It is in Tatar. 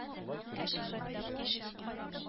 Ә Шөһрәттә булачак